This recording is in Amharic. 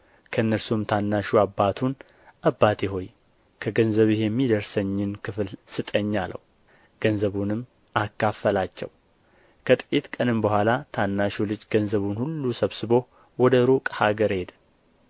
ከእነርሱም ታናሹ አባቱን አባቴ ሆይ ከገንዘብህ የሚደርሰኝን ክፍል ስጠኝ አለው ገንዘቡንም አካፈላቸው ከጥቂት ቀንም በኋላ ታናሹ ልጅ ገንዘቡን ሁሉ ሰብስቦ ወደ ሩቅ አገር ሄደ